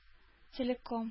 Целиком